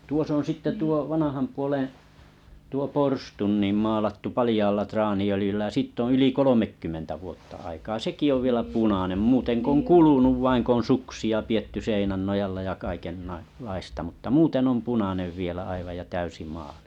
tuossa on sitten tuo vanhan puolen tuo porstua niin maalattu paljaalla traaniöljyllä ja siitä on yli kolmekymmentä vuotta aikaa sekin on vielä punainen muuten kun on kulunut vain kun on suksia pidetty seinän nojalla ja - kaikenlaista mutta muuten on punainen vielä aivan ja täysi maali